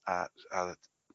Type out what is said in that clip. A a o'dd...